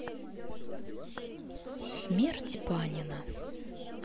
смерть панина